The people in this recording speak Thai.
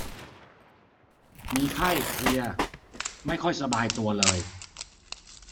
มีไข้เพลียไม่ค่อยสบายตัวเลย